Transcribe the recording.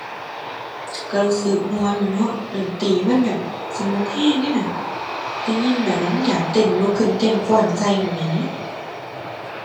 ก็รู้สึกม่วนละเนาะ ดนตรีมันแบบสนุกก็เดะน่ะ ได้ยินแบบแล้วมันอยากเต้น ลุกขึ้นเต้นฟ้อนใส่น่ะแหม